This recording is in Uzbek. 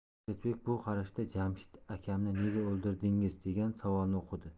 asadbek bu qarashda jamshid akamni nega o'ldirdingiz degan savolni o'qidi